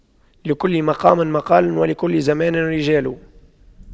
لكل مقام مقال ولكل زمان رجال